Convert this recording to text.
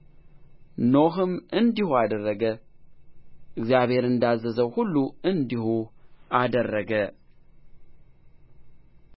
ከሚበላውም መብል ሁሉ ለአንተ ውሰድ ወደ አንተም ትሰበስባለህ እርሱም ለአንተም ለእነርሱም መብል ይሆናል